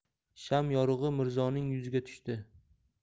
sham yorug'i mirzoning yuziga tushdi